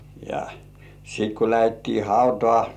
ja sitten kun lähdettiin hautaa